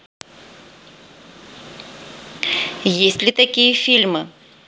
есть ли такие фильмы